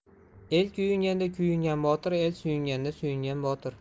el kuyunganda kuyungan botir el suyunganda suyungan botir